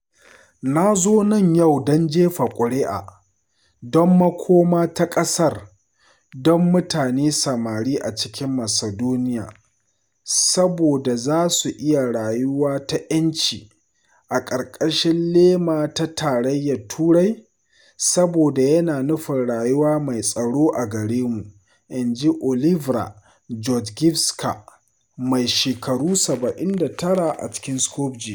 “Na zo nan yau don jefa kuri’a don makoma ta ƙasar, don mutane samari a cikin Macedonia saboda za su iya rayuwa da ‘yanci a ƙarƙashin lema ta Tarayyar Turai saboda yana nufin rayuwa mai tsaro a gare mu,” inji Olivera Georgijevska, mai shekaru 79, a cikin Skopje.